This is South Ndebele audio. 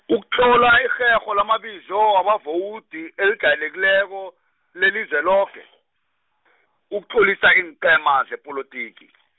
ukutlola irherho lamabizo wabavowudi elijayelekileko, leliZweloke , ukutlolisa iinqhema zepolotiki.